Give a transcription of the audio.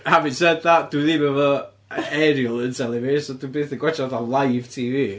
Having said that dwi ddim efo aerial yn teli fi so dwi byth yn gwatsiad fatha live TV.